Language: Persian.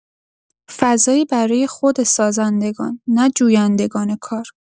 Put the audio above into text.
فضایی برای خود سازندگان، نه جویندگان کار